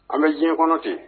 An bɛ diɲɛ kɔnɔ ten.